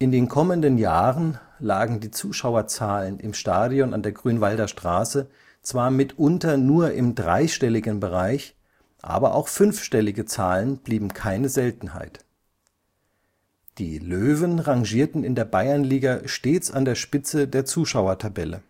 den kommenden Jahren lagen die Zuschauerzahlen im Stadion an der Grünwalder Straße zwar mitunter nur im dreistelligen Bereich, aber auch fünfstellige Zahlen blieben keine Seltenheit. Die Löwen rangierten in der Bayernliga stets an der Spitze der Zuschauertabelle